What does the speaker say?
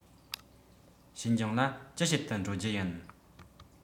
ཤིན ཅང ལ ཅི བྱེད དུ འགྲོ རྒྱུ ཡིན